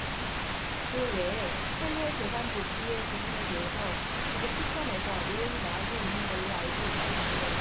그 외에 해외 재산 도피에 부분에 대해서 지금 특검에서 내용이 나오고 있는 걸로 알고 있거든요